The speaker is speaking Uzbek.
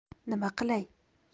nima qilay